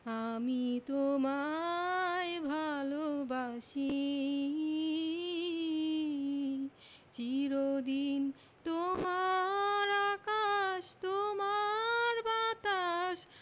আমি তোমায় ভালোবাসি চির দিন তোমার আকাশ তোমার বাতাস